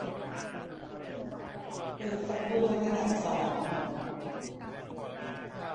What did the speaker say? เปิดฝักบัวระดับสอง